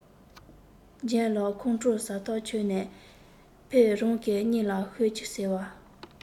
ལྗད ལགས ཁོང ཁྲོ ཟ ཐག ཆོད ནས ཕེད རང གིས གཉིད ལམ ཤོད ཀྱིས ཟེར བས